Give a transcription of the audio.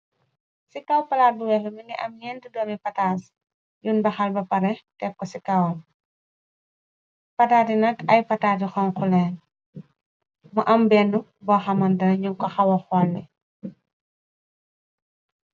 Si kaw palaat bu wèèx mugii am ñénti doomi patat yun baxal ba pareh tek ko ci kawam. Patat yi nak ay patat yu xonxu lèèn mu am benna bo xamanteh ni ñing ko xawa xoli.